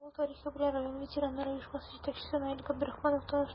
Авыл тарихы белән район ветераннар оешмасы җитәкчесе Наил Габдрахманов таныштырды.